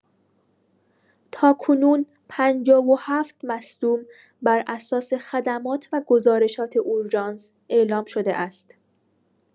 تاکنون، ۵۷ مصدوم براساس خدمات و گزارشات اورژانس اعلام شده است.